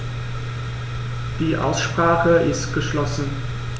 Die Aussprache ist geschlossen.